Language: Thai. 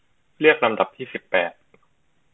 เลือกลำดับที่สิบแปด